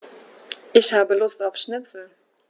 Ich habe Lust auf Schnitzel.